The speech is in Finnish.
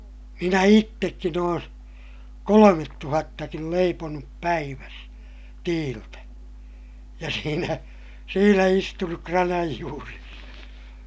minä itsekin olen kolmetuhattakin leiponut päivässä tiiltä ja siinä siinä istunut kranan juuressa